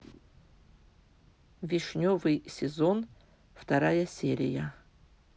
вишневый сезон вторая серия